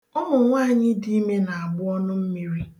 Ụmụnwanyị dị ime na-agbụ ọnụ mmiri.